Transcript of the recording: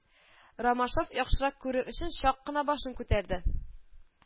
Ромашов, яхшырак күрер өчен, чак кына башын күтәрде